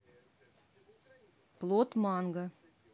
плод манго